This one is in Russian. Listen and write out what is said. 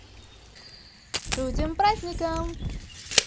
шутим праздником